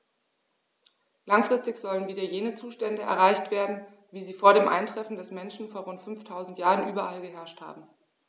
Langfristig sollen wieder jene Zustände erreicht werden, wie sie vor dem Eintreffen des Menschen vor rund 5000 Jahren überall geherrscht haben.